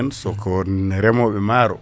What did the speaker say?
soko reemoɓe maaro